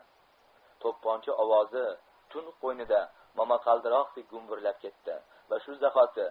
to'pponcha ovozi tun qo'ynida momaqaldiroqdek gumburlab ketdi va shu zahoti